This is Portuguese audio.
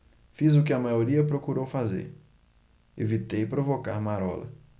fiz o que a maioria procurou fazer evitei provocar marola